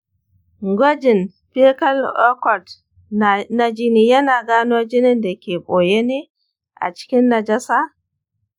gwajin faecal occult na jini yana gano jinin da ke boye ne a cikin najasa.